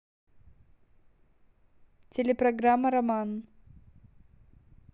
телепрограмма роман